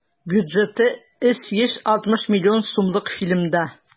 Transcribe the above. Бюджеты 360 миллион сумлык фильмда.